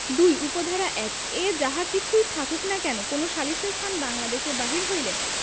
২ উপ ধারা ১ এ যাহা কিচুই থাকুক না কেন কোন সালিসের স্থান বাংলঅদেশের বাহিরে হইলে